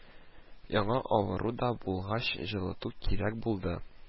Яңа авыру да булгач, җылыту кирәк булды